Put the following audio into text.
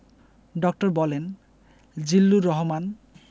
ড. বলেন জিল্লুর রহমান